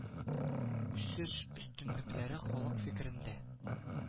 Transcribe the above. Үсеш өстенлекләре халык фикерендә